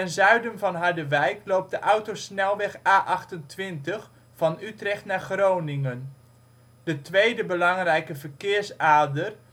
zuiden van Harderwijk loopt de autosnelweg A28 van Utrecht naar Groningen. De tweede belangrijke verkeersader